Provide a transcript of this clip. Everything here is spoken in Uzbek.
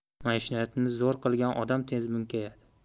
maishatni zo'r qilgan odam tez munkayadi